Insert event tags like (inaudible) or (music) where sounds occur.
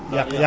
(hesitation) (hesitation)